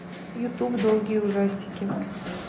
ютуб долгие ужастики